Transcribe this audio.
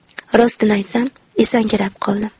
rostini aytsam esankirab qoldim